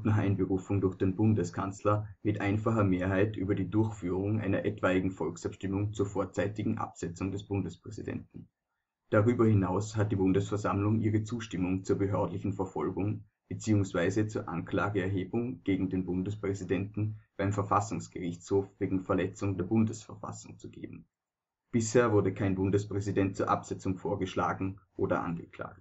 Einberufung durch den Bundeskanzler mit einfacher Mehrheit über die Durchführung einer etwaigen Volksabstimmung zur vorzeitigen Absetzung des Bundespräsidenten. Darüber hinaus hat die Bundesversammlung ihre Zustimmung zur behördlichen Verfolgung bzw. zur Anklageerhebung gegen den Bundespräsidenten beim Verfassungsgerichtshof wegen Verletzung der Bundesverfassung zu geben. Bisher wurde kein Bundespräsident zur Absetzung vorgeschlagen oder angeklagt